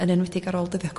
yn enwedig ar ôl dyddia